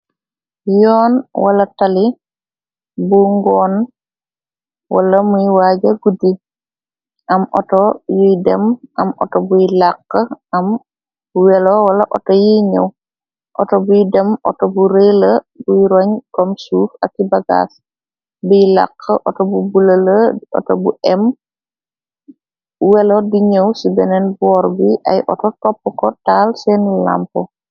Yoon wala tali bu ngoon wala muy waaja guddi am auto yuy dem am auto buy làq am welo wala outo yiy ñëw auto buy dem auto bu rëela buy roñ kom suuf ak ci bagaas biy làxq auto bu bulala auto bu em welo di ñëw ci beneen boor bi ay auto topp ko taal seen lampo.